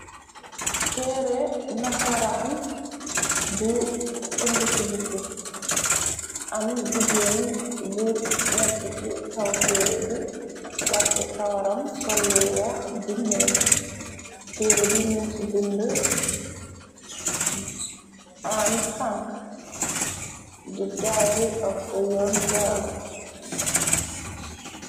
Teere nasaraan bu sung ci bukki am jigéen bu nett ci kaw téere bi wàcce kawaram sollu weex di mooñ teere bi nung ci bindi ann hank di diary of ayong gal.